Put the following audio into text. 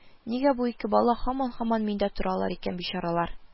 Нигә бу ике бала һаман-һаман миндә торалар икән, бичаралар